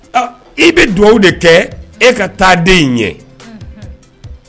I bɛ dugaw de kɛ e ka taa den in ɲɛ